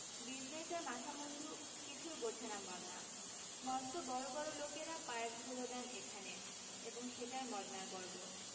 বিজনেসের মাথামুন্ডু কিছুই বোঝে না মদনা মস্ত বড় বড় লোকেরা পায়ের ধুলো দেন এখানে এবং সেটাই মদনার গর্ব